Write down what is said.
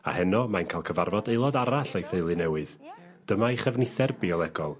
...a heno mae'n ca'l cyfarfod aelod arall o'i theulu newydd dyma'i chefnither biolegol...